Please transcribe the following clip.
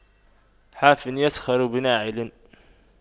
حافٍ يسخر بناعل